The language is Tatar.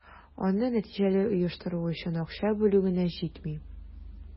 Аны нәтиҗәле оештыру өчен акча бүлү генә җитми.